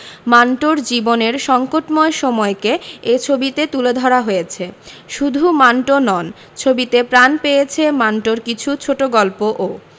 মান্টোর জীবনের সংকটময় সময়কে এ ছবিতে তুলে ধরা হয়েছে শুধু মান্টো নন ছবিতে প্রাণ পেয়েছে মান্টোর কিছু ছোটগল্পও